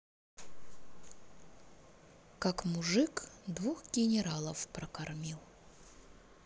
как мужик двух генералов прокормил